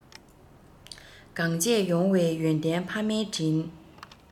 གང བྱས ཡོང བའི ཡོན ཏན ཕ མའི དྲིན